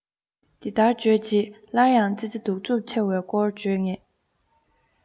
འདི ལྟར བརྗོད རྗེས སླར ཡང ཙི ཙི སྡུག རྩུབ ཆེ བའི སྐོར བརྗོད ངེས